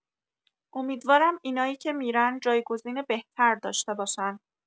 امیدوارم اینایی که می‌رن جایگزین بهتر داشته باشن